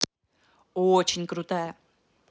очень крутая